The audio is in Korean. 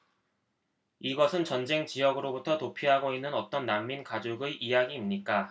이것은 전쟁 지역으로부터 도피하고 있는 어떤 난민 가족의 이야기입니까